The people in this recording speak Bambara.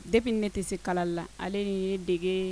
Depi ni ne tɛ se kalali la ale de ye ne dege